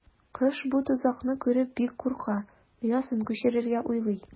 Кош бу тозакны күреп бик курка, оясын күчерергә уйлый.